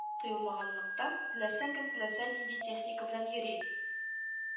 Тыелмаганлыктан, теләсә кем теләсә нинди техника белән йөри